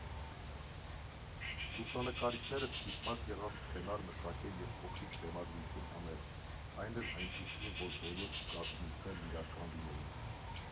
Լուսանկարիչները ստիպված եղան սցենար մշակել և փոքրիկ բեմադրություն անել, այն էլ այնպիսին, որ բոլոր զգացմունքներն իրական լինեին։